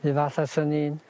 'rhun fath a swn i'n